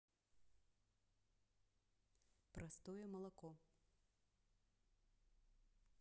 простое молоко